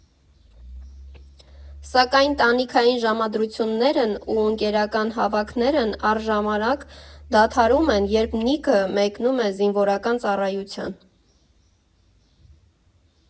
Սակայն տանիքային ժամադրություններն ու ընկերական հավաքներն առժամանակ դադարում են, երբ Նիքը մեկնում է զինվորական ծառայության։